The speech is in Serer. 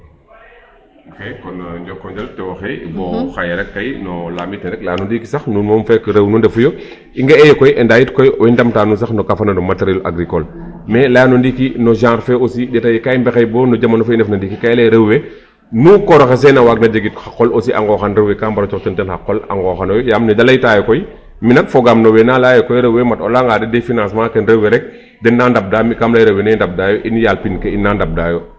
Kon njooko njal tew oxe bo xaye rek koy no laamit ne rek layano ndiiki sax nuun moom feek rew nu ndefu yo i nga'aayo koy ndaa yit koy i ndamta sax no ka farna no matériel agricole. Mais layano ndiiki no genre fe aussi i ɗeeta yee ka mbexey bo no jamano fe i ndefna ndiiki ka i lay re rew we mu koor oxe seen a waagna jegit xa qol aussi a nqooxan rew we kaa mbar o coox a den xa qol a nqooxanooyo yaam ne da layta yo koy mi nak fogan nowe na leya ye rewe mat o leya nga den des financement ke rewe rek dena ndab da mi kam leye rewe ne ndaɓ dayo in yaal pind ke ina ndaɓdaayo.